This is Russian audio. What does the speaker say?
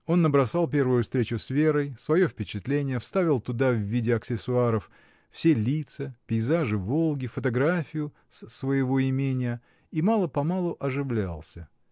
Он набросал первую встречу с Верой, свое впечатление, вставил туда, в виде аксессуаров, все лица, пейзажи Волги, фотографию с своего имения — и мало-помалу оживлялся.